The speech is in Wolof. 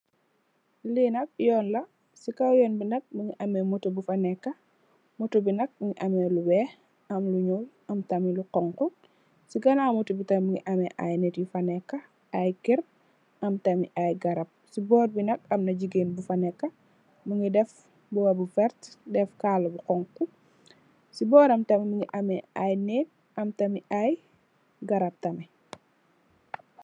Lee nak yoon la se kaw yoon be nak muge ameh motou bufa neka motou be nak muge ameh lu weex am lu nuul am tamin lu xonxo se ganaw motou tamin muge ameh aye neet yufa neka aye kerr am tamin aye garab se borr be nak amna jegain bufa neka muge def muba bu verte def kala bu xonxo se boram tamin muge ameh aye neeg am tamin aye garab tamin.